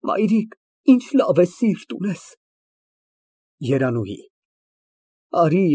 Մայրիկ, ինչ լավ սիրտ ունես։ ԵՐԱՆՈՒՀԻ ֊ (Շոյելով նրա գլուխը)։